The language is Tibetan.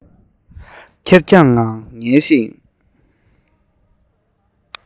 ཁེར རྐྱང ངང ཉལ ཞིང